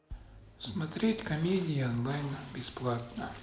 смотреть комедии онлайн бесплатно